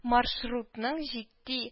Маршрутның җитди